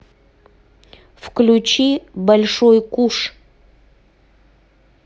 включи большой куш